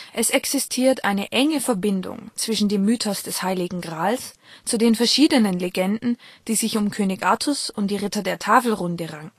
Es existiert eine enge Verbindung zwischen dem Mythos des Heiligen Grals zu den verschiedenen Legenden, die sich um König Artus und die Ritter der Tafelrunde